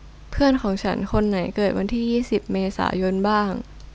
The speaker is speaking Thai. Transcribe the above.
เพื่อนของฉันคนไหนเกิดวันที่ยี่สิบเมษายนบ้าง